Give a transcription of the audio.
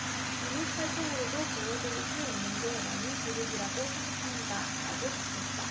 유닛 활동으로도 보여드릴 수 있는 게 많은 그룹이라고 생각합니다라고 답했다